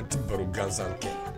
An tɛ baro gansan kɛ